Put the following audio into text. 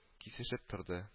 Кисешеп торды